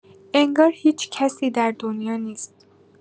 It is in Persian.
انگار هیچکسی در دنیا نیست!